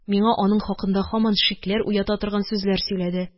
Миңа аның хакында һаман шикләр уята торган сүзләр сөйләде